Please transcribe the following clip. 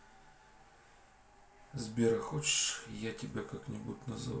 сбер а хочешь я тебя как нибудь назову